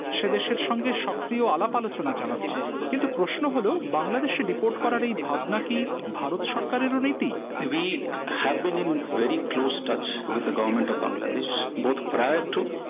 সে দেশের সঙ্গে সক্রিয় আলাপ-আলোচনা চালাচ্ছে কিন্তু প্রশ্ন হলো বাংলাদেশে ডিপোর্ট করার এই ভাবনাটি কি ভারত সরকারের নীতি we have been in very close touch with the government of Bangladesh both prior two